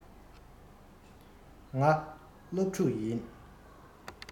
ང སློབ ཕྲག ཡིན